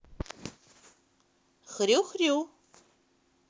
хрю хрю